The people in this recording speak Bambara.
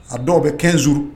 A dɔw bɛ 15 jours